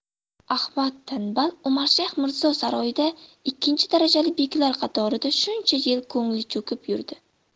ahmad tanbal umarshayx mirzo saroyida ikkinchi darajali beklar qatorida shuncha yil ko'ngli cho'kib yurdi